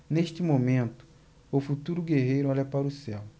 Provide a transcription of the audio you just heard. neste momento o futuro guerreiro olha para o céu